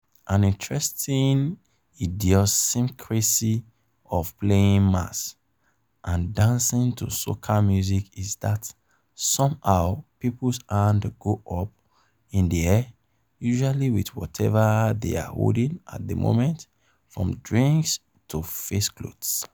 An interesting idiosyncrasy of "playing mas'" and dancing to soca music is that somehow, people's hands go up in the air, usually with whatever they are holding at the moment, from drinks to facecloths.